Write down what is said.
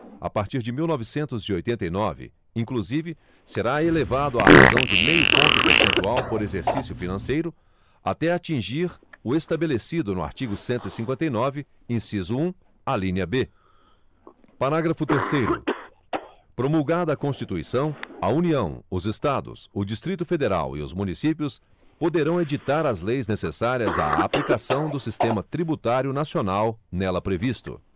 a partir de mil e novecentos e oitenta e nove inclusive será elevado à razão de meio ponto percentual por exercício financeiro até atingir o estabelecido no artigo cento e cinquenta e nove inciso um alínea b parágrafo terceiro promulgada a constituição a união os estados o distrito federal e os municípios poderão editar as leis necessárias à aplicação do sistema tributário nacional nela previsto